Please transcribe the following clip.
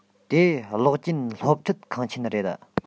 དེ གློག ཅན སློབ ཁྲིད ཁང ཆེན རེད